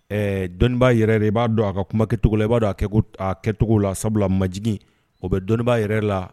Ɛɛ dɔnniibaa yɛrɛ i b'a dɔn a ka kumakɛcogo la i b'a a kɛ a kɛcogo la sabula maj o bɛ dɔnniibaa yɛrɛ la